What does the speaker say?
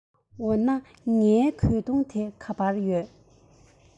འོ ན ངའི གོས ཐུང དེ ག པར ཡོད